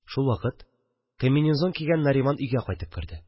Шул вакыт комбинезон кигән Нариман өйгә кайтып керде